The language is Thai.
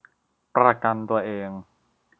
ประกันตัวเอง